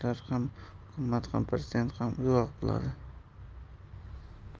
ham hukumat ham parlament ham uyg'oq bo'ladi